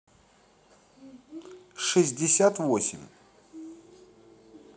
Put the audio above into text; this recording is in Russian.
шестьдесят восемь